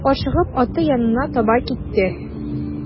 Ашыгып аты янына таба китте.